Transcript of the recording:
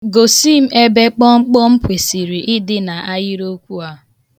Gosi m ebe kpọmkpọm kwesịrị ịdị n' ahịrịokwu a.